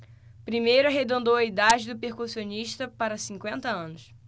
primeiro arredondou a idade do percussionista para cinquenta anos